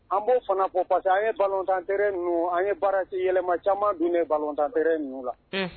An b'o fana fɔ parce que an ye ballon tan terrain ninnu an ye baara s yɛlɛma caaman donnen ballon tan terrain ninnu la. Un!